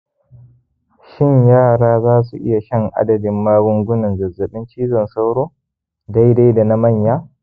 shin yara za su iya shan adadin magungunan zazzabin cizon sauro daidai da na manya